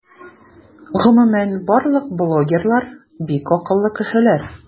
Гомумән барлык блогерлар - бик акыллы кешеләр.